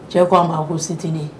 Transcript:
Cɛ ko'a ma a ko sitinin